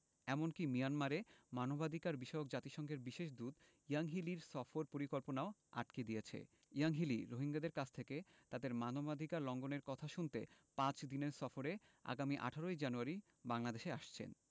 এমনকি মিয়ানমারে মানবাধিকারবিষয়ক জাতিসংঘের বিশেষ দূত ইয়াংহি লির সফর পরিকল্পনাও আটকে দিয়েছে ইয়াংহি লি রোহিঙ্গাদের কাছ থেকে তাদের মানবাধিকার লঙ্ঘনের কথা শুনতে পাঁচ দিনের সফরে আগামী ১৮ জানুয়ারি বাংলাদেশে আসছেন